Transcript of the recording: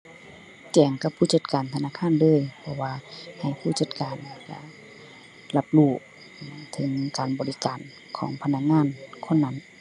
แจ้งกับผู้จัดการธนาคารเลย เพราะว่าให้ผู้จัดการก็รับรู้ ถึง ถึงการบริการของพนักงานคนนั้น